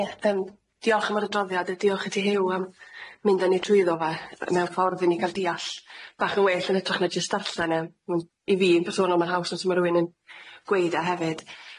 Ie yym diolch am yr adroddiad a diolch i ti Huw am mynd â ni trwyddo fe mewn ffordd i ni ga'l diall bach yn well yn hytrach na jyst darllen e, ma'n i fi'n personol ma'n haws os ma' rywun yn gweud e hefyd.